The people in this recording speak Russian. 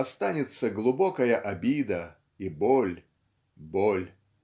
останется глубокая обида и боль, боль.